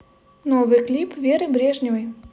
новый клип веры брежневой